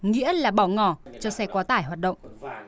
nghĩa là bỏ ngỏ cho xe quá tải hoạt động